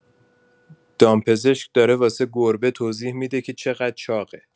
دامپزشک داره واسه گربه توضیح می‌ده که چقدر چاقه!